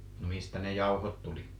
no mistä ne jauhot tuli